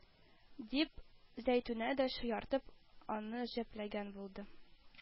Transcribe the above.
Дип, зәйтүнә дә шаяртып аны җөпләгән булды